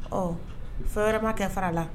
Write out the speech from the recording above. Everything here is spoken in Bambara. Ɔ fɛn wɛrɛ ma kɛ fara a la